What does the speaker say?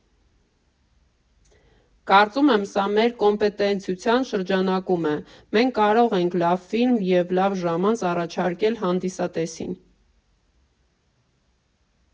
Կարծում եմ, սա մեր կոմպետենտության շրջանակում է, մենք կարող ենք լավ ֆիլմ և լավ ժամանց առաջարկել հանդիսատեսին։